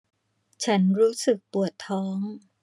ฉันรู้สึกปวดท้อง